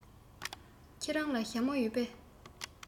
ཁྱེད རང ལ ཞྭ མོ ཡོད པས